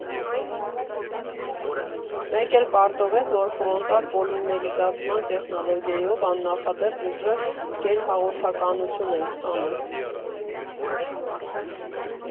֊ Մեկ էլ պարզվեց, որ ֆրոնտալ պոլիմերիզացման տեխնոլոգիայով աննախադեպ ուժեղ գերհաղորդականություն ենք ստանում»։